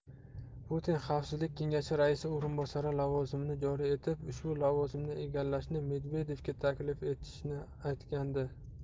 putin xavfsizlik kengashi raisi o'rinbosari lavozimini joriy etib ushbu lavozimni egallashni medvedevga taklif etishini aytgandi